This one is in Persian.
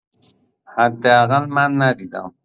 حداقل من ندیدم